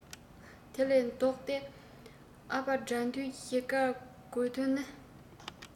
དེ ལས ལྡོག སྟེ ཨ ཕ དགྲ འདུལ ཞིག ཀེར དགོས དོན ནི